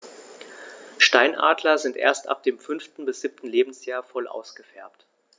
Steinadler sind erst ab dem 5. bis 7. Lebensjahr voll ausgefärbt.